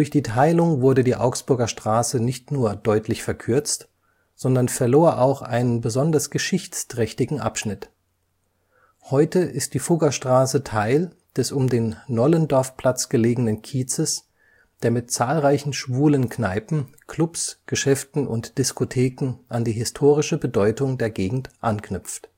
die Teilung wurde die Augsburger Straße nicht nur deutlich verkürzt, sondern verlor auch einen besonders geschichtsträchtigen Abschnitt. Heute ist die Fuggerstraße Teil des um den Nollendorfplatz gelegenen Kiezes, der mit zahlreichen schwulen Kneipen, Clubs, Geschäften und Diskotheken an die historische Bedeutung der Gegend anknüpft